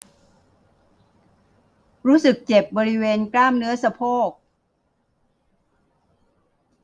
รู้สึกเจ็บบริเวณกล้ามเนื้อสะโพก